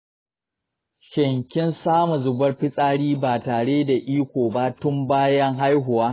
shin kin samun zubar fitsari ba tare da iko ba tun bayan haihuwa?